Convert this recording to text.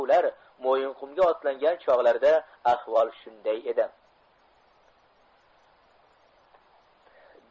ular mo'yinqumga otlangan chog'larida ahvol shunday edi